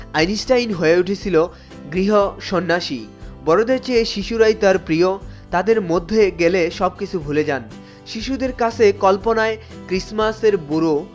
Einstein হয়ে উঠেছিল গৃহ সন্ন্যাসী কিছু নাই তার প্রিয় তাদের মধ্যে গেলে সবকিছু ভুলে যান শিশুদের কাছে কল্পনায় ক্রিসমাসের বুড়ো